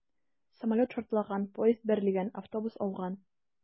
Самолет шартлаган, поезд бәрелгән, автобус ауган...